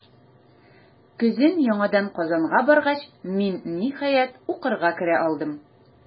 Көзен яңадан Казанга баргач, мин, ниһаять, укырга керә алдым.